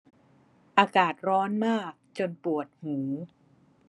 อากาศร้อนมากจนปวดหู